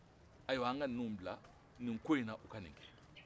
ayiwa an ka ninnu bila nin ko in na u nin kɛ